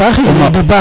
il est de bako